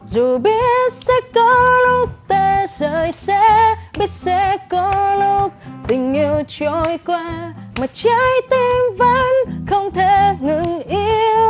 dù biết sẽ có lúc ta rời xa biết sẽ có lúc tình yêu trôi qua mà trái tim vẫn không thể ngừng yêu